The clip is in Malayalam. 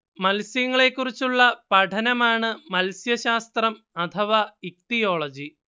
മത്സ്യങ്ങളെക്കുറിച്ചുള്ള പഠനമാണ് മത്സ്യശാസ്ത്രം അഥവാ ഇക്തിയോളജി